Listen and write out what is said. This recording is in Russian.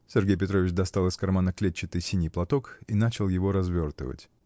(Сергей Петрович достал из кармана клетчатый синий платок и начал его развертывать.